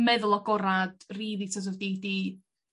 meddwl agorad rili so't of fi 'di